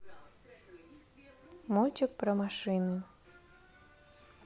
мультик про машины